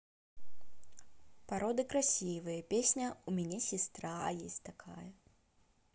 породы красивые песня у меня сестра есть такая